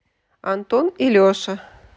антон и леша